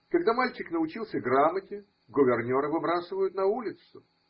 Когда мальчик научился грамоте, гувернера выбрасывают на улицу.